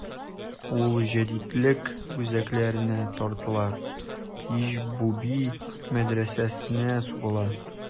Ул җәдитлек үзәкләренә тартыла: Иж-буби мәдрәсәсенә сугыла.